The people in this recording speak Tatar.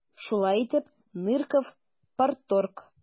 Шулай итеп, Нырков - парторг.